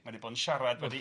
Mae 'di bod yn siarad mae 'di